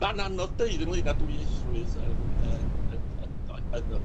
Ma'n anodd deud ynglŷn â ddwyieithrwydd yn yn yn yn yy ynddo